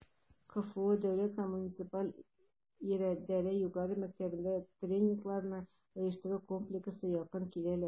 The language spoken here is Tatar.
КФУ Дәүләт һәм муниципаль идарә югары мәктәбендә тренингларны оештыруга комплекслы якын киләләр: